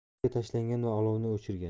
ustiga tashlagan va olovni o'chirgan